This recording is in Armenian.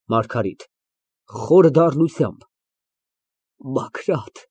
ՄԱՐԳԱՐԻՏ ֊ (Խորին դառնությամբ) Բագրատ։